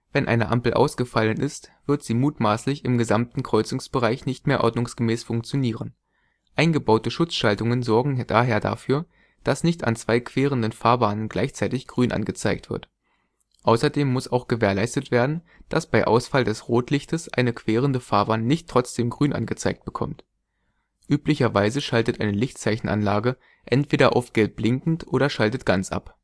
Wenn eine Ampel ausgefallen ist, wird sie mutmaßlich im gesamten Kreuzungsbereich nicht mehr ordnungsgemäß funktionieren. Eingebaute Schutzschaltungen sorgen daher dafür, dass nicht an zwei querenden Fahrbahnen gleichzeitig grün angezeigt wird. Außerdem muss auch gewährleistet werden, dass bei Ausfall des Rotlichtes eine querende Fahrbahn nicht trotzdem Grün angezeigt bekommt. Üblicherweise schaltet eine Lichtzeichenanlage entweder auf gelb-blinkend oder schaltet ganz ab